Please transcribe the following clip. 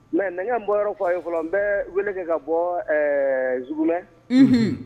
Mɛ n bɔyɔrɔ fɔ a ye fɔlɔ n bɛ wele kɛ ka bɔ zilɛ